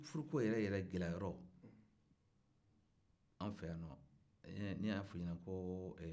furuko yɛrɛ yɛrɛ gɛlɛya yɔrɔ anw fɛ yan no ne y'a fɔ i ɲɛna ko